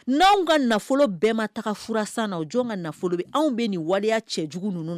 N' anw ka nafolo bɛɛ ma taga fsan na o jɔn ka nafolo bɛ anw bɛ nin waleya cɛ jugu ninnu